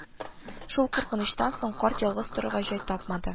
Шул куркынычтан соң карт ялгыз торырга җай тапмады